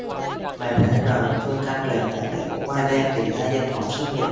mệt rã rời phương căn lều tạm để ngủ qua đêm thì hai dân phòng xuất hiện